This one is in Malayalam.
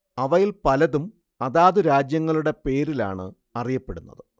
അവയിൽ പലതും അതാതു രാജ്യങ്ങളുടെ പേരിലാണ് അറിയപ്പെടുന്നത്